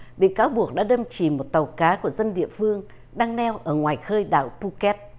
bị cáo buộc đã đâm chìm một tàu cá của dân địa phương đang neo ở ngoài khơi đảo phu kẹt